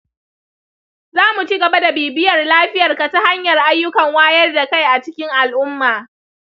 za mu ci gaba da bibiyar lafiyarka ta hanyar ayyukan wayar da kai a cikin al’umma.